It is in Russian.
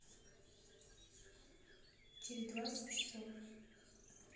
через двадцать часов